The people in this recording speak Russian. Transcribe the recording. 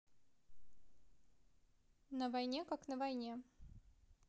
на войне как на войне